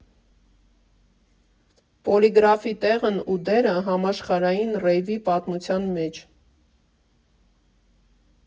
Պոլիգրաֆի տեղն ու դերը համաշխարհային ռեյվի պատմության մեջ։